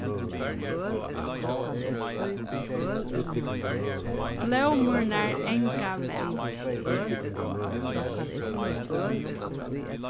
blómurnar anga væl